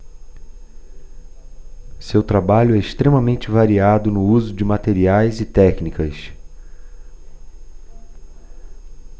seu trabalho é extremamente variado no uso de materiais e técnicas